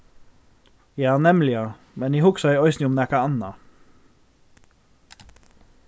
ja nemliga men eg hugsaði eisini um nakað annað